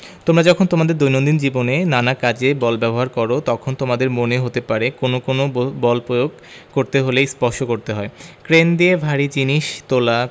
তোমরা যখন তোমাদের দৈনন্দিন জীবনে নানা কাজে বল ব্যবহার করো তখন তোমাদের মনে হতে পারে কোনো কোনো বল প্রয়োগ করতে হলে স্পর্শ করতে হয় ক্রেন দিয়ে ভারী জিনিস তোলা